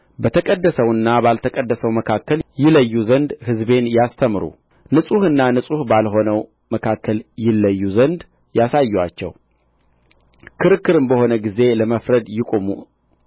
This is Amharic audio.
በተቀደሰውና ባልተቀደሰው መካከል ይለዩ ዘንድ ሕዝቤን ያስተምሩ ንጹሕና ንጹሕ ባልሆነው መካከል ይለዩ ዘንድ ያሳዩአቸው ክርክርም በሆነ ጊዜ ለመፍረድ ይቁሙ